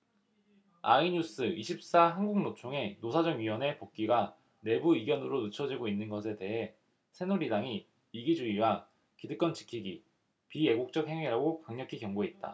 아이뉴스 이십 사 한국노총의 노사정위원회 복귀가 내부 이견으로 늦춰지고 있는 것에 대해 새누리당이 이기주의와 기득권 지키기 비애국적 행위라고 강력히 경고했다